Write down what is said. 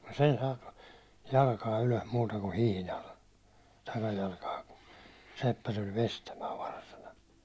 mm sen ei saakaan jalkaa ylös muuta kuin hihnalla takajalkaa kun seppä tuli veistämään varsana